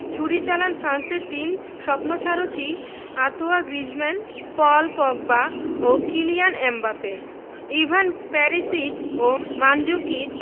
ছুরি চালান ফ্রান্সের তিন স্বপ্নসারথি আঁতোয়া গ্রিজমান পল পগবা ও কিলিয়ান এমবাপ্পে ইভান পেরিসিচ ও মানজুকিচ